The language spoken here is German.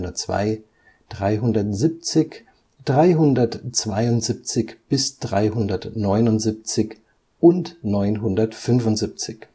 302, 370, 372, 373, 374, 375, 376, 377, 378, 379 und 975